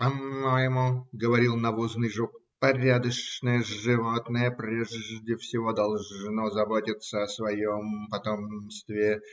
– По-моему, – говорил навозный жук, – порядочное животное прежде всего должно заботиться о своем потомстве.